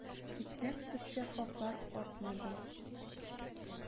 Икмәк-сөткә хаклар артмады.